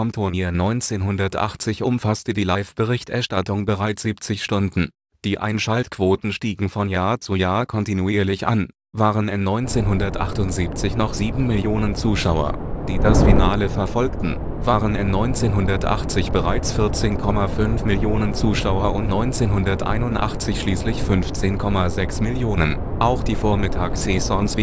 Turnier. 1980 umfasste die Live-Berichterstattung bereits 70 Stunden. Die Einschaltquoten stiegen von Jahr zu Jahr kontinuierlich an: Waren es 1978 noch 7 Millionen Zuschauer, die das Finale verfolgten, waren es 1980 bereits 14,5 Millionen Zuschauer und 1981 schließlich 15,6 Millionen. Auch die Vormittags-Sessions